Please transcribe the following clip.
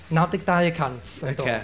Naw deg dau y cant yn do.